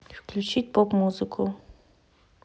включить поп музыку